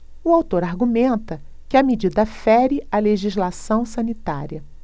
o autor argumenta que a medida fere a legislação sanitária